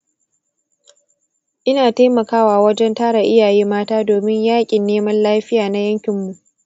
ina taimakawa wajen tara iyaye mata domin yaƙin neman lafiya na yankinmu.